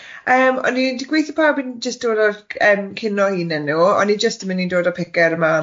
Yym o'n i'n d- gwithio pawb yn jyst dod o'r cy- yym cino hunan nhw, o'n i jyst yn mynd i dod o'r picker ma... Reit.